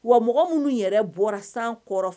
Wa mɔgɔ minnu yɛrɛ bɔra san kɔrɔ